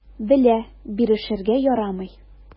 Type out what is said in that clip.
Белә: бирешергә ярамый.